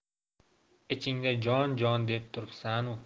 ichingda jon jon deb turibsanu